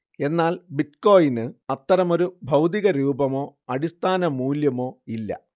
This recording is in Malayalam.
എന്നാൽ ബിറ്റ്കോയിന് അത്തരമൊരു ഭൗതികരൂപമോ അടിസ്ഥാന മൂല്യമോയില്ല